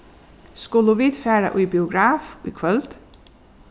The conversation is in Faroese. skulu vit fara í biograf í kvøld